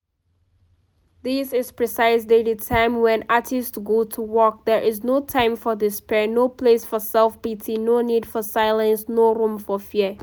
This is precisely the time when artists go to work. There is no time for despair, no place for self-pity, no need for silence, no room for fear.